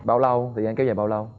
bao lâu thời gian kéo dài bao lâu